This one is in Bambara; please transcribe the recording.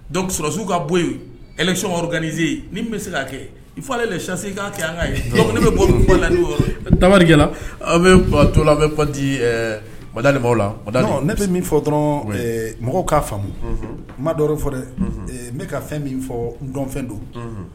Susiw ka bɔsiize ni bɛ se k'a kɛ i fɔ ale sase k' kɛ an ye ne bɛ bɔ tarikɛ la aw bɛ to la bɛ panti wadaw ne bɛ min fɔ dɔrɔn mɔgɔw ka'a fa n ma dɔw fɔra dɛ n ne ka fɛn min fɔ n dɔnfɛn don